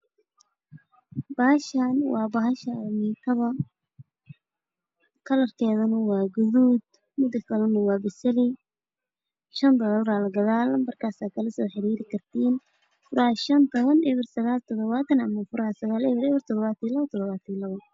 Bahashaan waa bahasha aalamiitada kalarkeedu waa gaduud midna waa basali. Shan doolaraa lagadaa, labarkaa ayaa kala soo xiriiri karriin. 0615100970.